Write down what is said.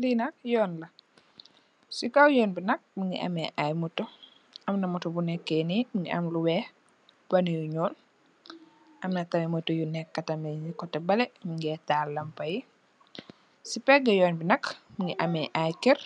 li nak yoon la, ci kaw yoon bi nak mungi ameh ay moto. Amna Moto bu nekk ni mungi am lu weeh panu yu ñuul. Amna tamit moto yu nekka tamit ci kotè balè nungè taal lampa yi. Ci pègg yoon bi nak mungi ameh ay kër,